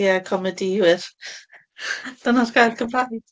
Ie, comedïwyr . Dyna'r gair Cymraeg!